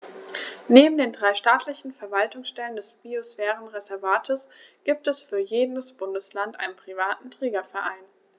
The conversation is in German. Neben den drei staatlichen Verwaltungsstellen des Biosphärenreservates gibt es für jedes Bundesland einen privaten Trägerverein.